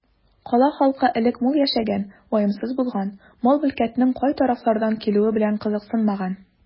Кала халкы элек мул яшәгән, ваемсыз булган, мал-мөлкәтнең кай тарафлардан килүе белән кызыксынмаган.